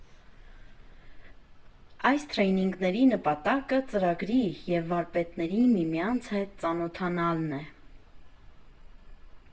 Այս թրեյնինգների նպատակը ծրագրի և վարպետների միմյանց հետ ծանոթանալն էր։